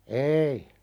ei